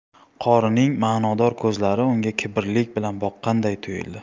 qorining ma'nodor ko'zlari unga kiborlik bilan boqqanday tuyuldi